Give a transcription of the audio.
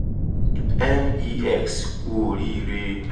MEX kú oríire!